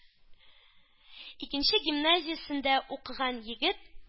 Икенче гимназиясендә укыган егет